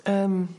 Ymm.